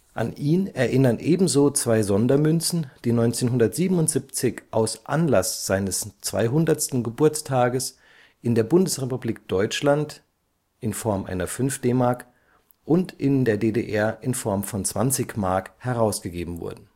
An ihn erinnern ebenso zwei Sondermünzen, die 1977 aus Anlass seines 200. Geburtstages in der Bundesrepublik Deutschland (5 DM) und in der DDR (20 M) herausgegeben wurden